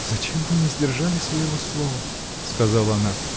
-- Зачем вы не сдержали своего слова? -- сказала она.